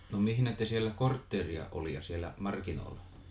no missä te siellä kortteeria oli siellä markkinoilla